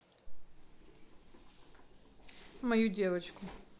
мою девочку